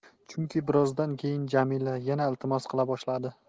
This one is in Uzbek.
chunki birozdan keyin jamila yana iltimos qila boshladi